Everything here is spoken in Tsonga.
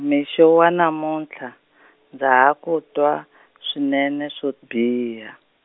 mixo wa namuntlha, ndza ha ku twa, swinene swo biha.